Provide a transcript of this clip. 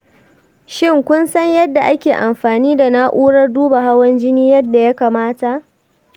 shin, kun san yadda ake amfani da na'urar duba hawan jini yadda ya kamata?